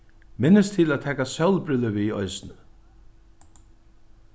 minnist til at taka sólbrillur við eisini